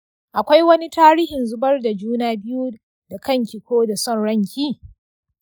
akwai wani tarihin zubar da juna biyu da kanki ko da son ranki?